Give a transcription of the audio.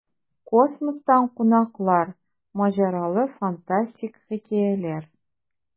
Космостан кунаклар: маҗаралы, фантастик хикәяләр.